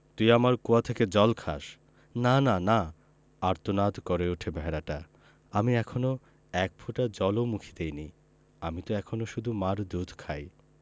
তুই আমার কুয়ো থেকে জল খাস না না না আর্তনাদ করে ওঠে ভেড়াটা আমি এখনো এক ফোঁটা জল ও মুখে দিইনি আমি ত এখনো শুধু মার দুধ খাই